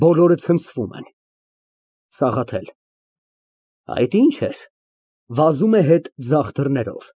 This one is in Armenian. ԲՈԼՈՐԸ ֊ (Ցնցվում են)։ ՍԱՂԱԹԵԼ ֊ Այդ ի՞նչ էր։ (Վազում է հետ ձախ դռներով)։